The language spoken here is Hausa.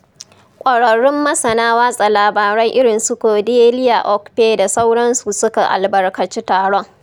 ƙwararrun masana watsa labarai irinsu Cordelia Okpei da sauransu suka albarkaci taron